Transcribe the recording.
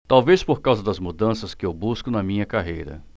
talvez por causa das mudanças que eu busco na minha carreira